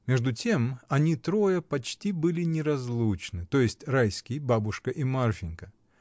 Между тем они трое почти были неразлучны — то есть Райский, бабушка и Марфинька.